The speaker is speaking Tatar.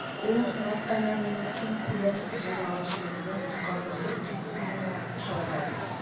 Ул мәсьәләнең илкүләм җәмәгатьчелекне кузгатырлык җитдилегенә ишарәләде.